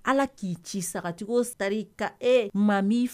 Ala k'i ci sagati sarari ka ma